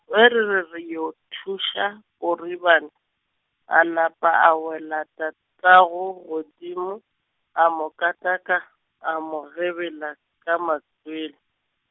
ge re re re yo thuša Koriban-, a napa a wela tatago godimo, a mo kataka, a mo gebela ka matswele.